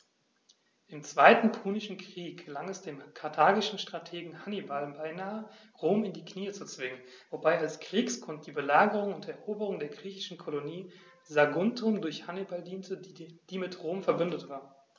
Im Zweiten Punischen Krieg gelang es dem karthagischen Strategen Hannibal beinahe, Rom in die Knie zu zwingen, wobei als Kriegsgrund die Belagerung und Eroberung der griechischen Kolonie Saguntum durch Hannibal diente, die mit Rom „verbündet“ war.